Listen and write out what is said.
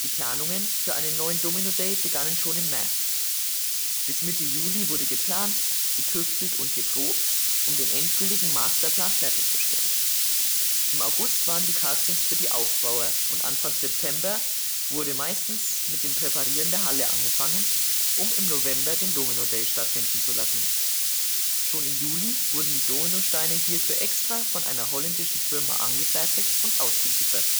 Planungen für einen neuen Domino Day begannen schon im März. Bis Mitte Juli wurde geplant, getüftelt und geprobt, um den endgültigen „ Masterplan “fertigzustellen. Im August waren die Castings für die Aufbauer und Anfang September wurde meistens mit dem Präparieren der Halle angefangen, um im November den Domino Day stattfinden zu lassen. Schon im Juli wurden die Dominosteine hierfür extra von einer holländischen Firma angefertigt und ausgeliefert